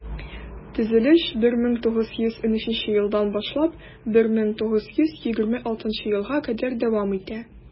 Төзелеш 1913 елдан башлап 1926 елга кадәр дәвам итә.